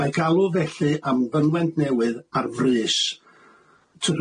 Mae galw felly am fynwent newydd ar frys.